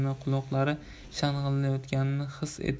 quloqlari shang'illayotganini his etib